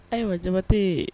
Ayiwa jabatɛ